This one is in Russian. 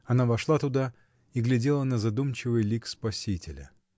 Она вошла туда и глядела на задумчивый лик Спасителя.